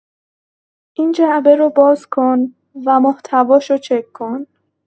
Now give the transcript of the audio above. این جعبه رو باز کن و محتواشو چک کن